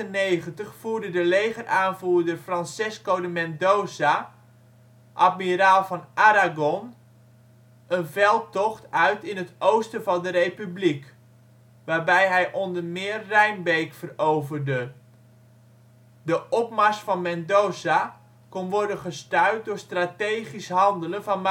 1598 voerde de legeraanvoerder Francesco de Mendoza, admiraal van Aragon, een veldtocht uit in het oosten van de Republiek, waarbij hij onder meer Rijnberk veroverde. De opmars van Mendoza kon worden gestuit door strategisch handelen van